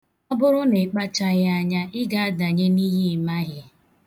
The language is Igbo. Ọ bụrụ na ị kpachaghị anya, ị ga-adanye n'ihe ị maghị.